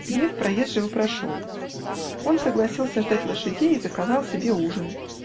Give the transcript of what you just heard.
Гнев проезжего прошел; он согласился ждать лошадей и заказал себе ужин.